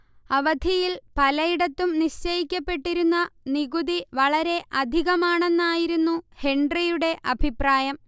അവധിൽ പലയിടത്തും നിശ്ചയിക്കപ്പെട്ടിരുന്ന നികുതി വളരെ അധികമാണെന്നായിരുന്നു ഹെൻറിയുടെ അഭിപ്രായം